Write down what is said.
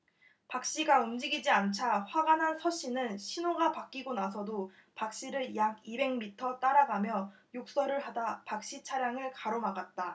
박씨가 움직이지 않자 화가 난 서씨는 신호가 바뀌고 나서도 박씨를 약 이백 미터 따라가며 욕설을 하다 박씨 차량을 가로막았다